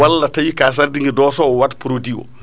walla tawi ka sardiŋŋe dosowo wat produit o